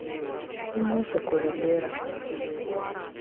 музыку валера